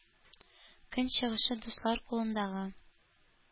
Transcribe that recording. Көн чыгышы дуслар кулындагы